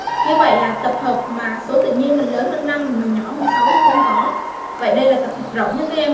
như vậy là tập hợp mà số tự nhiên lớn hơn và nhỏ hơn là không có vậy đây là tập hợp rộng